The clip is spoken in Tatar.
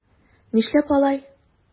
Нишләп алай?